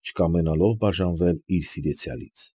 Չկամենալով բաժանվել իր սիրեցյալից։